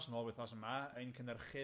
...yn ôl wythnos yma ein cynyrchydd